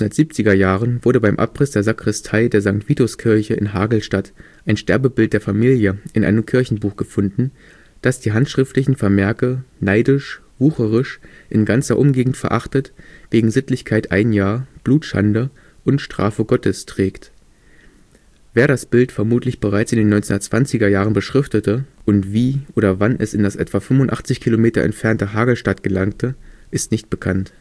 1970er Jahren wurde beim Abriss der Sakristei der St.-Vitus-Kirche in Hagelstadt ein Sterbebild der Familie in einem Kirchenbuch gefunden, das die handschriftlichen Vermerke neidisch wucherisch, in ganzer Umgegend verachtet, wg Sittlichkeit 1 Jahr, Blutschande und Strafe Gottes trägt. Wer das Bild vermutlich bereits in den 1920er Jahren beschriftete und wie oder wann es in das etwa 85 Kilometer entfernte Hagelstadt gelangte, ist nicht bekannt